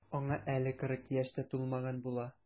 Аңа әле кырык яшь тә тулмаган була.